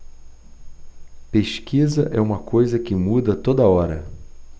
pesquisa é uma coisa que muda a toda hora